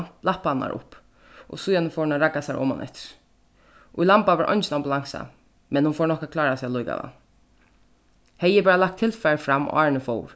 lapparnar upp og síðani fór hon at ragga sær omaneftir í lamba var eingin ambulansa men hon fór nokk at klára seg allíkavæl hevði eg bara lagt tilfarið fram áðrenn eg fór